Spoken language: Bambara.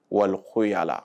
Wa ko yalala